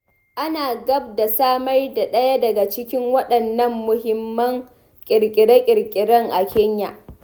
Ana gab da samar da ɗaya daga cikin waɗannan muhimman ƙirƙire-ƙirƙiren a Kenya.